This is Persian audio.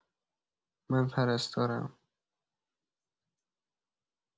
من پرستارم.